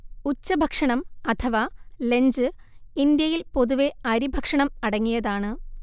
ഉച്ചഭക്ഷണം അഥവ ലഞ്ച് ഇന്ത്യയിൽ പൊതുവെ അരിഭക്ഷണം അടങ്ങിയതാണ്